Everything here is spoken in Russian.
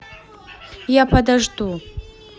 я подожду